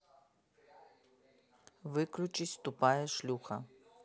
выключись тупая шлюха